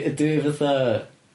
...ydyn ni fatha...